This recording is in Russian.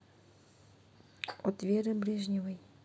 от веры брежневой